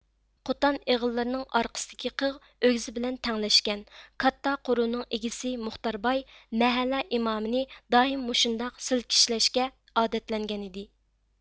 قوتان ئېغىللىرىنىڭ ئارقىسىدىكى قىغ ئۆگزە بىلەن تەڭلەشكەن كاتتا قورۇنىڭ ئىگىسى مۇختەرباي مەھەللە ئىمامىنى دائىم مۇشۇنداق سىلكىشلەشكە ئادەتلەنگەنىدى